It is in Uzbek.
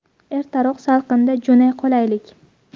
ertaroq salqinda jo'nay qolaylik